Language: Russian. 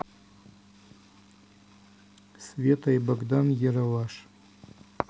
света и богдан ералаш